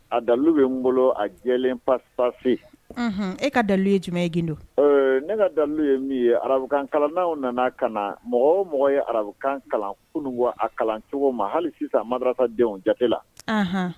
A dalu bɛ n bolo a jɛlen pa pase e ka dalu ye jumɛn ye g don ne ka dalu ye min ye arabukan kalan' nana ka na mɔgɔ mɔgɔ ye arabukan kalan kunun a kalan cogo ma hali sisan madta denw jate la